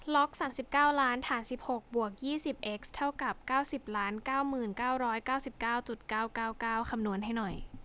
ล็อกสามสิบเก้าล้านฐานสิบหกบวกยี่สิบเอ็กซ์เท่ากับเก้าสิบเก้าล้านเก้าหมื่นเก้าร้อยเก้าสิบเก้าจุดเก้าเก้าเก้าคำนวณให้หน่อย